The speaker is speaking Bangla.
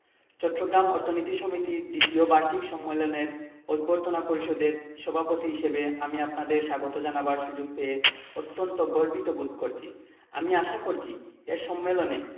চট্টগ্রাম অর্থনীতি সমিতির দ্বিতীয় বার্ষিক সম্মেলনের অভ্যর্থনা পরিষদের সভাপতি হিসেবে আমি আপনাদের স্বাগত জানাবার সুযোগ পেয়ে অত্যন্ত গর্বিত বোধ করছি আমি আশা করি এ সম্মেলনে